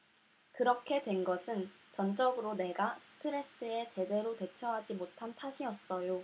그렇게 된 것은 전적으로 내가 스트레스에 제대로 대처하지 못한 탓이었어요